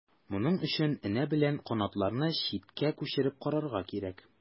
Моның өчен энә белән канатларны читкә күчереп карарга кирәк.